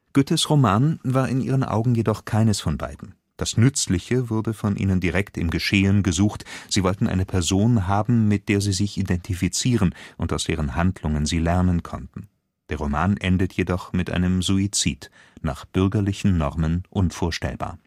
Goethes Roman war in ihren Augen jedoch keines von beiden. Das „ Nützliche “wurde von ihnen direkt im Geschehen gesucht, sie wollten eine Person haben, mit der sie sich identifizieren und aus deren Handlungen sie lernen konnten. Der Roman endet jedoch mit einem Suizid – nach bürgerlichen Normen unvorstellbar